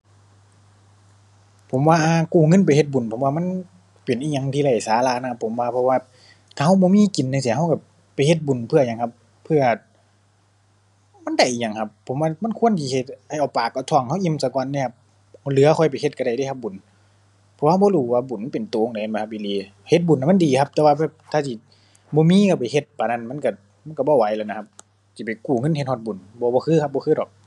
ผมว่าอ้างกู้เงินไปเฮ็ดบุญผมว่ามันเป็นอิหยังที่ไร้สาระนะครับผมว่า เพราะว่าถ้าเราบ่มีกินจั่งซี้ เราเราไปเฮ็ดบุญเพื่อหยังครับ เพื่อ มันได้อิหยังครับ ผมว่ามันควรสิเฮ็ดให้เอาปากเอาท้องเราอิ่มซะก่อนเดะครับ เหลือค่อยไปเฮ็ดเราได้เดะครับ บุญ เพราะเราบ่รู้ว่าบุญมันเป็นเราจั่งใดบ่ครับอีหลี เฮ็ดบุญน่ะมันดีครับ แต่ว่าแบบถ้าสิบ่มีเราไปเฮ็ดปานนั้น มันเรา มันเราบ่ไหวแล้วนะครับ จิไปกู้เงินเฮ็ดฮอดบุญ บ่ บ่คือครับ บ่คือดอก